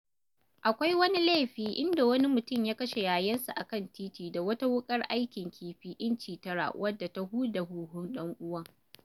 Akwai wani laifin inda wani mutum ya kashe yayansa a kan titi da wata wuƙar aikin kifi inci tara wadda ta huda huhun ɗan'uwan.